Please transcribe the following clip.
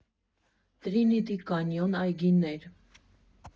Տրինիտի կանյոն այգիներ։